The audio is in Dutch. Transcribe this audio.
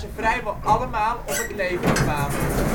vrijwel allemaal om het leven kwamen